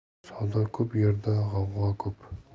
savdo ko'p yerda g'avg'o ko'p